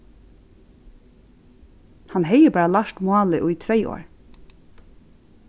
hann hevði bara lært málið í tvey ár